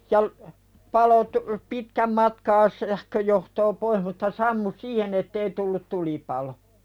ja - paloi - pitkän matkaa sähköjohtoa pois mutta sammui siihen että ei tullut tulipalo